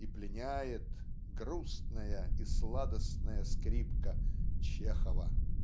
и пленяет грустная и сладостная скрипка Чехова.